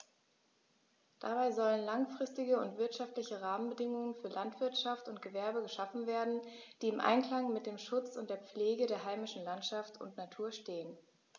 Dabei sollen langfristige und wirtschaftliche Rahmenbedingungen für Landwirtschaft und Gewerbe geschaffen werden, die im Einklang mit dem Schutz und der Pflege der heimischen Landschaft und Natur stehen.